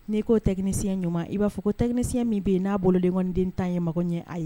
N'i koo tɛkisiyɛn ɲuman i b'a fɔ ko tɛkisiya min bɛ n'a bolodendentan ye ɲɛmɔgɔ ɲɛ a ye